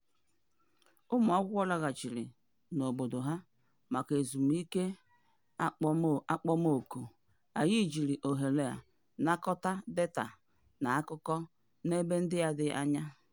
Ụmụakwụkwọ laghachịrị n'obodo ha maka ezumike okpomọkụ: anyị jiri ohere a nakọta data na akụkọ n'ebe ndị a dị anya.